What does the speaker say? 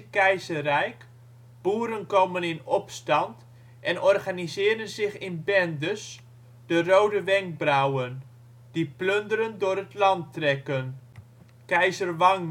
Keizerrijk, boeren komen in opstand en organiseren zich in bendes (de " Rode Wenkbrauwen ") die plunderend door het land trekken. Keizer Wang